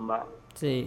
Nba tɛ yen